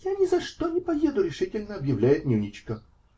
-- Я ни за что не поеду, -- решительно объявляет "Нюничка".